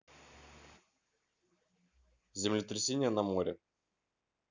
землетрясение на море